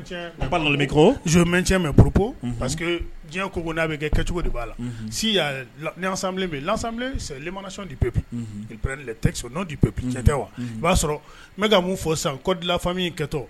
Cɛ mɛ purup parce que diɲɛ ko n'a bɛ kɛcogo de b'a la lamana di pepp tɛ n'op tɛ wa o b'a sɔrɔ n bɛ ka mun fɔ san ko dilanfami kɛtɔ